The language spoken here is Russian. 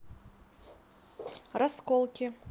расколки